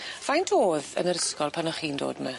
Faint o'dd yn yr ysgol pan o'ch chi'n dod 'my?